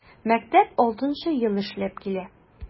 Мәктәп 6 нчы ел эшләп килә.